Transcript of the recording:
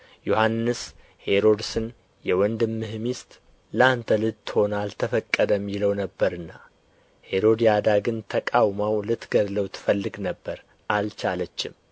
ዮሐንስ ሄሮድስን የወንድምህ ሚስት ለአንተ ልትሆን አልተፈቀደም ይለው ነበርና ሄሮድያዳ ግን ተቃውማው ልትገድለው ትፈልግ ነበር አልቻለችም